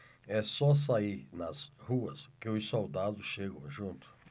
é só sair nas ruas que os soldados chegam junto